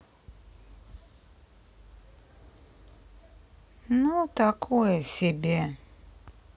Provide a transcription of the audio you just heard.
ну такое себе